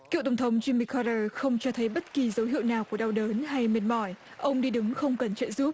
cựu tổng thống gim mi co đờ không cho thấy bất kỳ dấu hiệu nào của đau đớn hay mệt mỏi ông đi đứng không cần trợ giúp